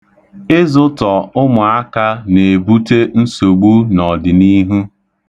Ịzụtọ ụmụaka na-ebute nsogbu n'ọdịniihu.